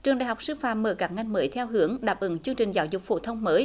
trường đại học sư phạm mở các ngành mới theo hướng đáp ứng chương trình giáo dục phổ thông mới